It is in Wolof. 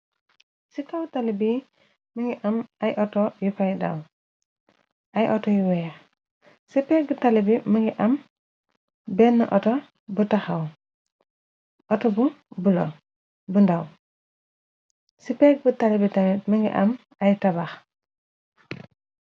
ci kaw tali bi mingi am ay auto yu faydaw ay auto yu weex ci pégg tali bi ma ngi am benn auto bu taxaw auto bu bu bu ndaw ci pégg bu tali bi tamit mi ngi am ay tabax